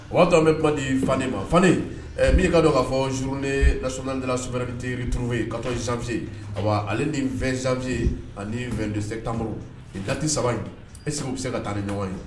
O b'a to an bɛ kuma di Fane ma. Fane, ɛɛ min ye i ka dɔn k'a fɔ journée nationale de la souverainété retrouvée ,14 janvier ,ayiwa ale ni 20 janvier ani 22 septembre nin date 3 in est ce que u bɛ se ka taa ni ɲɔgɔn ye?